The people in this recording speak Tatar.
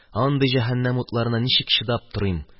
Андый җәһәннәм утларына ничек чыдап торыйм: